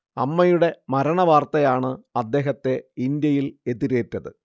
അമ്മയുടെ മരണവാർത്തയാണ് അദ്ദേഹത്തെ ഇന്ത്യയിൽ എതിരേറ്റത്